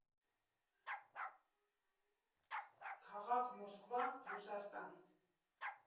Քաղաք՝ Մոսկվա, Ռուսաստան։